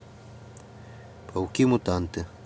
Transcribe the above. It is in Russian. пауки мутанты